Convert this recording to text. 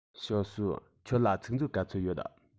ཞའོ སུའུ ཁྱོད ལ ཚིག མཛོད ག ཚོད ཡོད